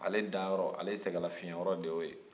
ale da yɔrɔ ale sɛgɛn lafiɲɛ yɔrɔ de y'o ye